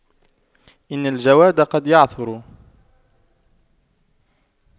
إن الجواد قد يعثر